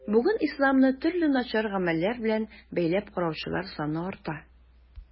Бүген исламны төрле начар гамәлләр белән бәйләп караучылар саны арта.